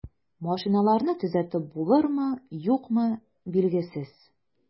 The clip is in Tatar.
Машиналарны төзәтеп булырмы, юкмы, билгесез.